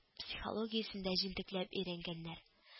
Психологиясен дә җентекләп өйрәнгәннәр